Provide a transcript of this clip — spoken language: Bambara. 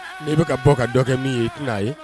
N'i bɛka bɔ ka dɔ kɛ min ye i tɛn'a ye